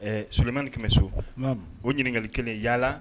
Ɛɛ solimani kɛmɛ bɛ so o ɲininkakali kelen yalala